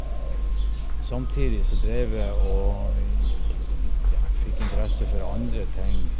Samtidig så drev jeg og, int ja, jeg fikk interesse for andre ting.